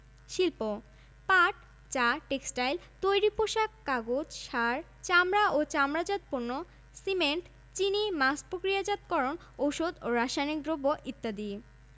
বাংলাদেশের অধিকাংশ স্থানেই ভূ জল পৃষ্ঠ ভূ পৃষ্ঠের খুব কাছাকাছি অবস্থান করে এবং বৎসরের বিভিন্ন সময় এর গভীরতা উঠানামা করে